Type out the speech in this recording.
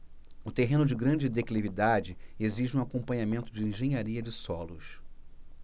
o terreno de grande declividade exige um acompanhamento de engenharia de solos